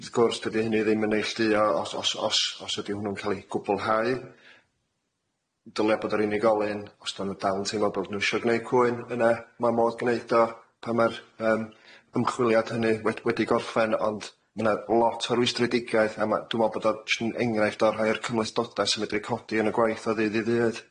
Wrth gwrs dydi hynny ddim yn neilltuo os os os os ydi hwnnw'n ca'l ei gwbwlhau, dylia bod yr unigolyn os do'n nw dal yn teimlo bo' nw isio gneud cwyn yna ma' modd gneud o pan ma'r yym ymchwiliad hynny wed- wedi gorffen ond ma' na lot o rwystredigaeth a ma' dwi me'wl bod o yn- enghraifft o rhai o'r cymhlethdoda sy'n medru codi yn y gwaith o ddydd i ddydd.